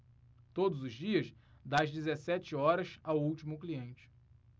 todos os dias das dezessete horas ao último cliente